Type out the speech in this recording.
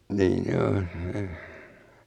niin on